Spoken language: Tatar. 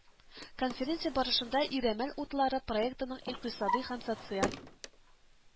Конференция барышында Ирәмәл утлары проектының икътисади һәм социаль